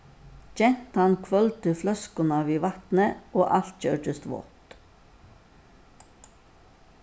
gentan hvølvdi fløskuna við vatni og alt gjørdist vátt